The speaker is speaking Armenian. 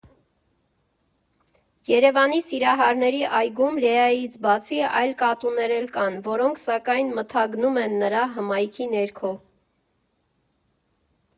Երևանի սիրահարների այգում, Լեայից բացի, այլ կատուներ էլ կան, որոնք, սակայն, մթագնում են նրա հմայքի ներքո։